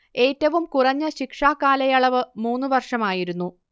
ഏറ്റവും കുറഞ്ഞ ശിക്ഷാ കാലയളവ് മൂന്നു വർഷമായിരുന്നു